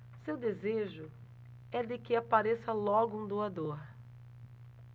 seu desejo é de que apareça logo um doador